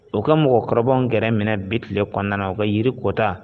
U ka mɔgɔkɔrɔbaw grɛn minɛ bi tile kɔnɔna na u ka jiri yiri kota